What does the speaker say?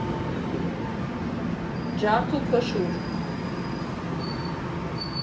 Ջարդ ու փշուր.